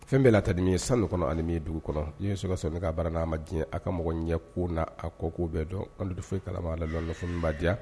Fɛn bɛɛla ta nin ye san kɔnɔ animi ye dugu kɔnɔ i ye sokasɔni k kaa baara n'a ma diɲɛ a ka mɔgɔ ɲɛ ko na a kɔ ko bɛɛ dɔn kandi f kalama la ba diya